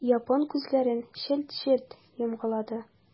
Япон күзләрен челт-челт йомгалады.